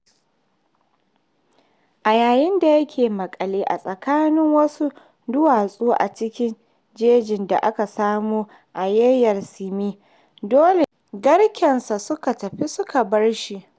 A yayin da yake maƙale a tsakanin wasu duwatsu a cikin jejin da aka samo Ayeyar sein, dole garkensa suka tafi suka bar shi.